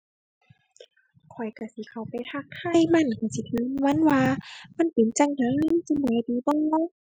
ข้อยก็สิเข้าไปทักทายมัน ก็สิ มันว่า มันเป็นจั่งใด สำบายดีบ่